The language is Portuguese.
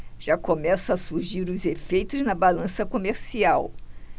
já começam a surgir os efeitos na balança comercial